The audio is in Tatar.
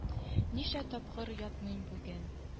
Ничә тапкыр ятмыйм бүген